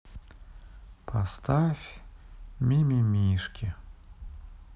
поставь мимимишки